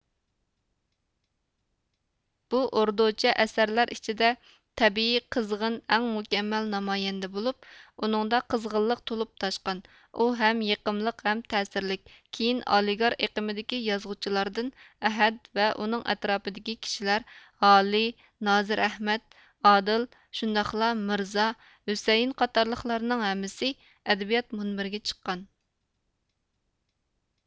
بۇ ئوردۇچە ئەسەرلەر ئىچىدە تەبىئىي قىزغىن ئەڭ مۇكەممەل نامايەندە بولۇپ ئۇنىڭدا قىزغىنلىق تولۇپ تاشقان ئۇ ھەم يېقىملىق ھەم تەسىرلىك كېيىن ئالىگار ئېقىمىدىكى يازغۇچىلاردىن ئەھەد ۋە ئۇنىڭ ئەتراپىدىكى كىشىلەر ھالى نازىر ئەھمەد ئادىل شۇنداقلا مىرزا ھۈسەيىن قاتارلىقلارنىڭ ھەممىسى ئەدەبىيات مۇنبىرىگە چىققان